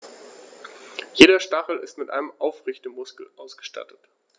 Jeder Stachel ist mit einem Aufrichtemuskel ausgestattet.